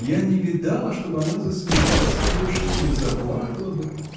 Я не видала, чтобы она засмеялась от души или заплакала бы.